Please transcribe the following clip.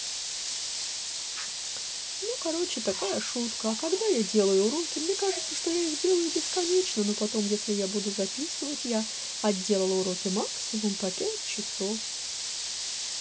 ну короче такая шутка а когда я делаю уроки мне кажется что я их делаю бесконечно но потом если я буду записывать я отделала уроки максимум по пять часов